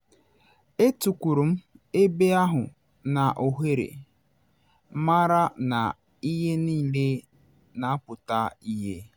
Etukwuru m ebe ahụ ma chere, mara na ihe niile na apụta ihie.